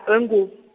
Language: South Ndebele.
wengu-.